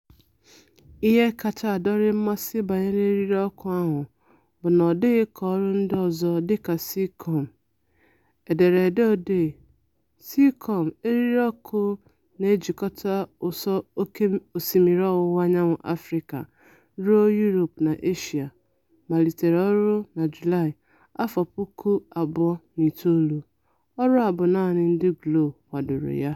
Ihe kacha adọrọ mmasị banyere eririọkụ ahụ bụ na n'adịghị ka ọrụ ndị ọzọ dịka Seacom [Ederede Odee: Seacom, eririọkụ na-ejikọta ụsọ oké osimiri ọwụwaanyanwụ Afrịka ruo Europe na Asia, malitere ọrụ na Julaị 2009], ọrụ a bụ naanị ndị Glo kwadoro ya.